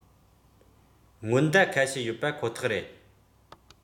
སྔོན བརྡ ཁ ཤས ཡོད པ ཁོ ཐག རེད